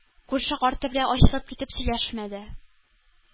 Күрше карты белән ачылып китеп сөйләшмәде,